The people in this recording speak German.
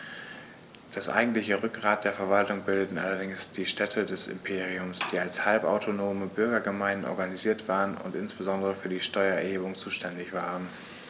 Das eigentliche Rückgrat der Verwaltung bildeten allerdings die Städte des Imperiums, die als halbautonome Bürgergemeinden organisiert waren und insbesondere für die Steuererhebung zuständig waren.